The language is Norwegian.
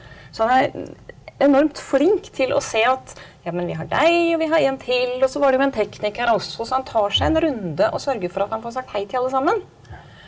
så han er enormt flink til å se at ja men vi har deg og vi har en til og så var det jo en tekniker her også, så han tar seg en runde og sørger for at han får sagt hei til alle sammen.